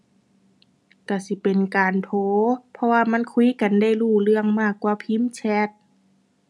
ก็สิเป็นการโทร เพราะว่ามันคุยกันได้รู้เรื่องมากกว่าพิมพ์แชต